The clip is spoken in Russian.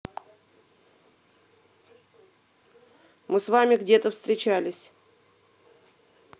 мы с вами где то встречались